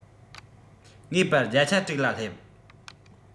ངེས པར རྒྱ ཆ དྲུག ལ སླེབས